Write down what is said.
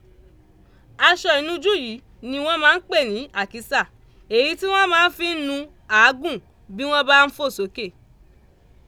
Aṣọ inujú yìí ni wọ́n máa ń pè ní “àkísà", èyí tí wọn máa fi ń nu àágùn bí wọ́n bá ń “fò sókè".